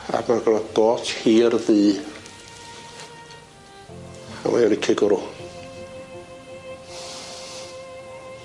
Ag mae gynno fo got hir ddu. A mae o'n licio'i gwrw.